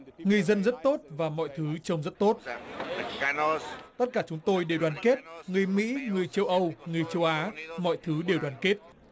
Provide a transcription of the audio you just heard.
người dân rất tốt và mọi thứ trông rất tốt tất cả chúng tôi để đoàn kết người mỹ người châu âu người châu á mọi thứ đều đoàn kết